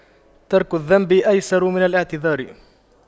ترك الذنب أيسر من الاعتذار